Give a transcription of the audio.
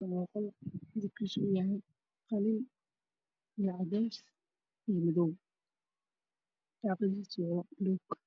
Halkaani waa qol midabkiisa uu yahay qalin iyo cadays iyo madow daaqadiisa waa baluug.